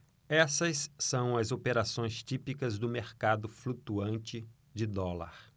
essas são as operações típicas do mercado flutuante de dólar